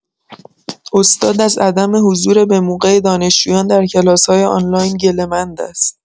استاد از عدم حضور به‌موقع دانشجویان در کلاس‌های آنلاین گله‌مند است.